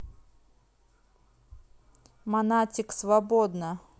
монатик свободна